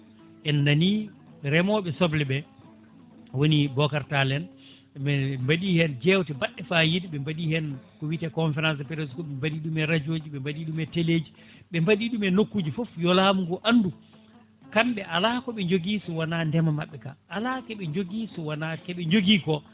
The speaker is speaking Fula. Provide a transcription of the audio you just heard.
en nani remɓe soble ɓe woni Bocar Tall mais min mbaɗi hen jewte mdadde fayida ɓe mbaɗi hen ko witeko conférence de presse ko ɓe mbaɗi ɗum e radio ji ɗe mbaɗi ɗum e télé ɓe mbadiɗum e nokku foof yo laamu ngeu andu kamɓe ala koɓe jogui sowona ndema mabɓe ka